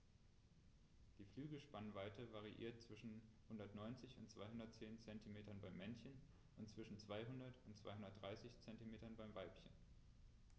Die Flügelspannweite variiert zwischen 190 und 210 cm beim Männchen und zwischen 200 und 230 cm beim Weibchen.